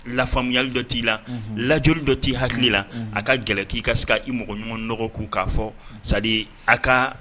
Lafamuyali dɔ t'i la lajli dɔ' hakili la a ka gɛlɛn k'i ka sigi i mɔgɔ ɲumanɲɔgɔnɔgɔ' k'a fɔ sa a ka